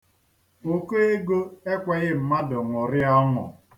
Ụkọ ego ekweghị mmadụ ṅụrịa ọṅụ.